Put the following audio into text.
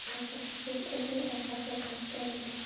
talat boshqa so'z aytmay orqasiga qaytgan edi